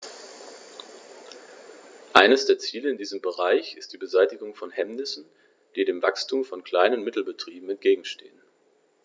Eines der Ziele in diesem Bereich ist die Beseitigung von Hemmnissen, die dem Wachstum von Klein- und Mittelbetrieben entgegenstehen.